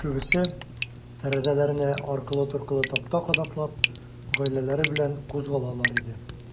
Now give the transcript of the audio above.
Күбесе, тәрәзәләренә аркылы-торкылы такта кадаклап, гаиләләре белән кузгалалар иде.